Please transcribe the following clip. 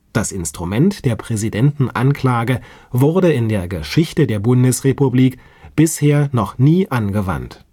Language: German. Das Instrument der Präsidentenanklage wurde in der Geschichte der Bundesrepublik Deutschland bisher noch nie angewandt